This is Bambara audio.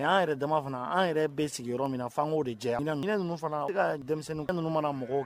Mɛ y'an yɛrɛ dama fana an yɛrɛ bɛ sigiyɔrɔ min na fanko de jɛ ninnu fana' ka denmisɛnnin ninnu mana mɔgɔw